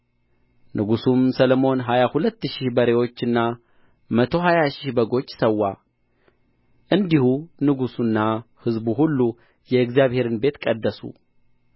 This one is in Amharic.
ንጉሡም ሰሎሞን ሀያ ሁለት ሺህ በሬዎችና መቶ ሀያ ሺህ በጎች ሠዋ እንዲሁ ንጉሡና ሕዝቡ ሁሉ የእግዚአብሔርን ቤት ቀደሱ